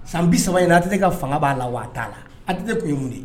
San 30 in na ATT ka fanga b'a la wa a t'a la ATT tun ye mun de ye